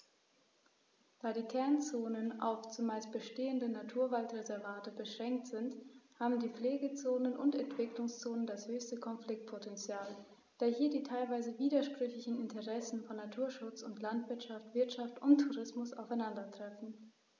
Da die Kernzonen auf – zumeist bestehende – Naturwaldreservate beschränkt sind, haben die Pflegezonen und Entwicklungszonen das höchste Konfliktpotential, da hier die teilweise widersprüchlichen Interessen von Naturschutz und Landwirtschaft, Wirtschaft und Tourismus aufeinandertreffen.